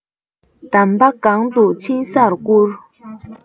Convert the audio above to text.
དམ པ གང དུ ཕྱིན སར བཀུར